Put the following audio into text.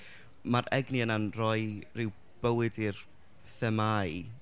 mae'r egni yna'n rhoi rhyw bywyd i'r themâu...